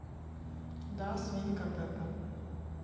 да свинка пеппа